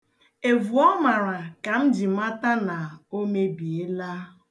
Evu ọ mara ka m ji mata na o mebiela.